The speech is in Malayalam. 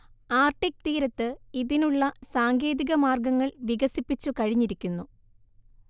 ആർട്ടിക് തീരത്ത് ഇതിനുള്ള സാങ്കേതിക മാർഗങ്ങൾ വികസിപ്പിച്ചു കഴിഞ്ഞിരിക്കുന്നു